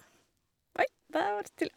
Oi, der vart det stille.